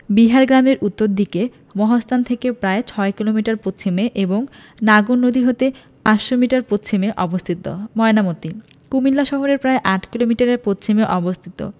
বিহার গ্রামের উত্তর দিকে মহাস্থান থেকে প্রায় ৬ কিলোমিটার পশ্চিমে এবং নাগর নদী থেকে ৫০০ মিটার পশ্চিমে অবস্থিত ময়নামতি কুমিল্লা শহরের প্রায় ৮ কিলোমিটার পশ্চিমে অবস্থিত